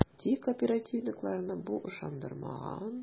Тик оперативникларны бу ышандырмаган ..